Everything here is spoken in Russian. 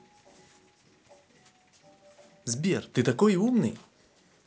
сбер ты такой умный